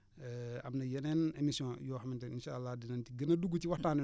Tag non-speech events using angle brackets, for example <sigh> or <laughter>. <hesitation> am na yeneen émission yoo xamante ne incha allah dinañ ci gën a dugg ci waxtaan